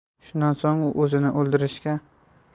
shundan so'ng u o'zini